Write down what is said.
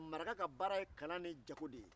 maraka ka baara ye kalan ni jago de ye